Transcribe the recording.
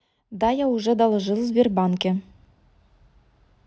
да я уже доложил в сбербанке